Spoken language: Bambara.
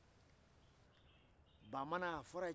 ne ma a fɔ ko mɔgɔkɔrɔba furu sala dɛ